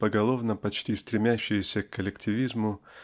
поголовно почти стремящаяся к коллективизму